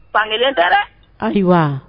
Fankelen tɛ ayi